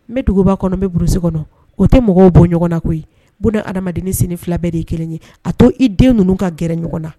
N bɛ duguba kɔnɔ bɛ buru sen kɔnɔ o tɛ mɔgɔw bɔ ɲɔgɔn na koyi b ha adamadamaden sini fila bɛɛ de kelen ye a to i den ninnu ka gɛrɛ ɲɔgɔn na